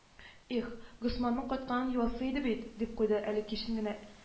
—их, госманның кайтканын юасы иде бит,—дип куйды әле кичен генә